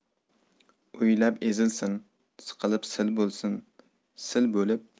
o'ylab ezilsin siqilib sil bo'lsin sil bo'lib